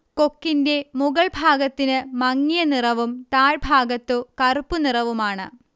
കൊക്കിന്റെ മുകൾഭാഗത്തിന് മങ്ങിയ നിറവും താഴ്ഭാഗത്തു കറുപ്പു നിറവുമാണ്